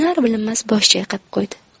bilinar bilinmas bosh chayqab qo'ydi